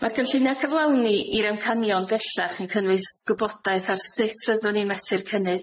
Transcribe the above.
Mae'r cynllunia' cyflawni i'r amcanion bellach yn cynnwys gwybodaeth ar sut fyddwn ni'n mesur cynnydd